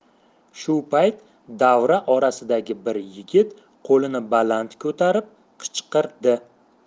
shu payt davra orasidagi bir yigit qo'lini baland ko'tarib qichqirdi